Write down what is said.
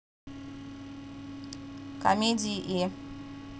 комедии и